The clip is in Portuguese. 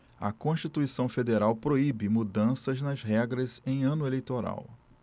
a constituição federal proíbe mudanças nas regras em ano eleitoral